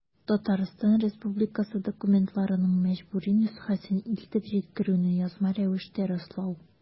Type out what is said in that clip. Татарстан Республикасы документларының мәҗбүри нөсхәсен илтеп җиткерүне язма рәвештә раслау.